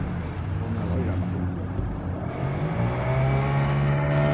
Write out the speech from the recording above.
hon er av oyrarbakka